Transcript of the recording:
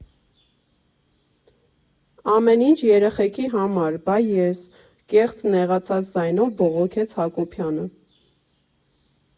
Ամեն ինչ երեխեքի համա՜ր, բա ե՞ս, ֊ կեղծ նեղացած ձայնով բողոքեց Հակոբյանը։